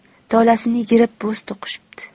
tolasini yigirib bo'z to'qishibdi